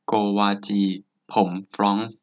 โกวาจีผมฟร้องซ์